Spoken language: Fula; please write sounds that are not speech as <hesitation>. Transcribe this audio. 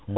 <hesitation> <hesitation>